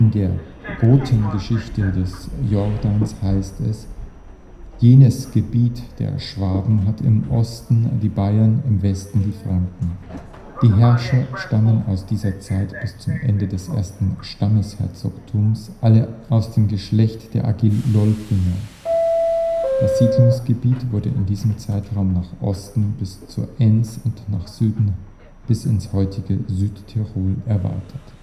der Gotengeschichte des Jordanes heißt es: „ Jenes Gebiet der Schwaben hat im Osten die Baiern, im Westen die Franken… “Die Herrscher stammten seit dieser Zeit bis zum Ende des ersten Stammesherzogtums alle aus dem Geschlecht der Agilolfinger. Das Siedlungsgebiet wurde in diesem Zeitraum nach Osten bis zur Enns und nach Süden bis ins heutige Südtirol erweitert